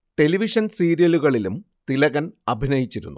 television സീരിയലുകളിലും തിലകൻ അഭിനയിച്ചിരുന്നു